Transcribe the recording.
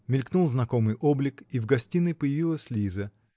Мелькнул знакомый облик, и в гостиной появилась Лиза.